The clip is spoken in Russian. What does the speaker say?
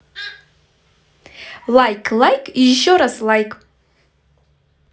лайк лайк еще раз like